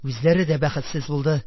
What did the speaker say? Үзләре дә бәхетсез булды